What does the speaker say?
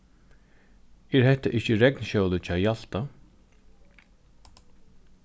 er hetta ikki regnskjólið hjá hjalta